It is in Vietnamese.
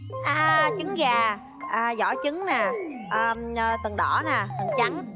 a trứng gà à giỏ trứng nà tầng đỏ nè trắng